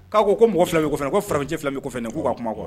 Ko'a ko mɔgɔ filɛ bɛ kɔfɛ ko faracɛ fila bɛ' fana k' ka kuma kuwa